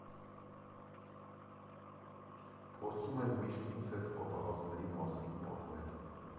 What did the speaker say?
Փորձում եմ միշտ ինձ հետ պատահածների մասին պատմել։